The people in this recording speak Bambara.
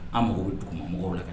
An mako dugu ma mɔgɔw la kan